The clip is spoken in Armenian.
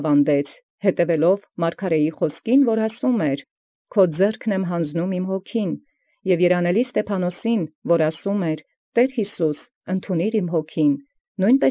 Աւանդեալ, հայեցեալ ի բան մարգարէին, որ ասէր. «Ի ձեռս քո յանձն առնեմ զհոգի իմե. և Ստեփաննոսի երանելւոյ, որ ասէր. «Տէր Յիսուս, ընկա՛լ զհոգի իմե։